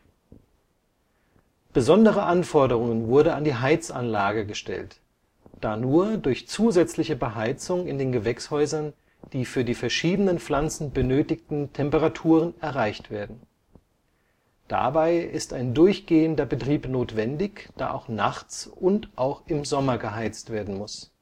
Besondere Anforderungen wurde an die Heizanlage gestellt, da nur durch zusätzliche Beheizung in den Gewächshäusern die für die verschiedenen Pflanzen benötigten Temperaturen erreicht werden. Dabei ist ein durchgehender Betrieb notwendig, da auch nachts und auch im Sommer geheizt werden muss